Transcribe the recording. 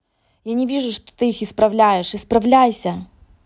я не вижу что ты их исправляешь исправляйся